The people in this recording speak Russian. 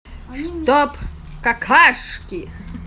чтоб какашки